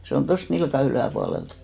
se on tuosta nilkan yläpuolelta